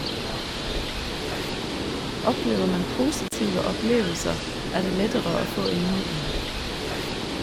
- Opplever man positive opplevelser er det lettere å få en ny en.